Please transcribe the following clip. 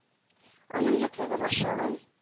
Аның йотлыгып ашавын,